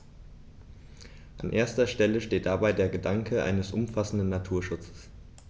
An erster Stelle steht dabei der Gedanke eines umfassenden Naturschutzes.